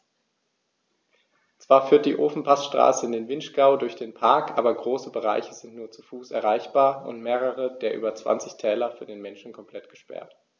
Zwar führt die Ofenpassstraße in den Vinschgau durch den Park, aber große Bereiche sind nur zu Fuß erreichbar und mehrere der über 20 Täler für den Menschen komplett gesperrt.